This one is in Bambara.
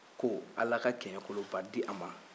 ko ala ka kɛɲɛkoloba di a ma